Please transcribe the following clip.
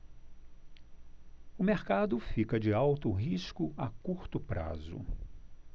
o mercado fica de alto risco a curto prazo